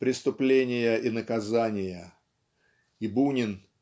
преступления и наказания. И Бунин